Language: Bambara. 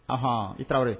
Aɔn i tarawelere